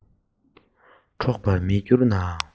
འཕྲོག པར མི འགྱུར ནའང